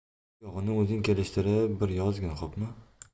u yog'ini o'zing kelishtirib bir yozgin xo'pmi